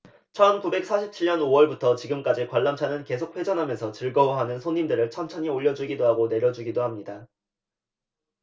천 구백 사십 칠 년 오 월부터 지금까지 관람차는 계속 회전하면서 즐거워하는 손님들을 천천히 올려 주기도 하고 내려 주기도 합니다